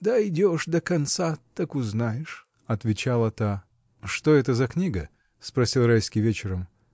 — Дойдешь до конца, так узнаешь, — отвечала та. — Что это за книга? — спросил Райский вечером.